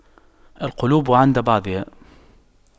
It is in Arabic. القلوب عند بعضها